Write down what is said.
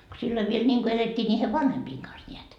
kun silloin vielä niin kuin elettiin niiden vanhempien kanssa näet